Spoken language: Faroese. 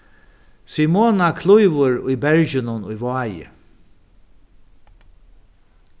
simona klívur í berginum í vági